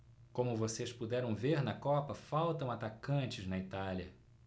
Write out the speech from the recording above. como vocês puderam ver na copa faltam atacantes na itália